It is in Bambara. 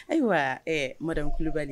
Ayiwa wa mali kulubali de